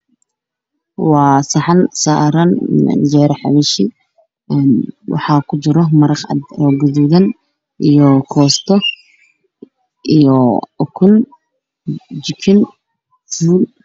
Waaa saxan saran canjeero xabashi ee wxaa ku jiro maraq cada io cadiidan io goosto io ukun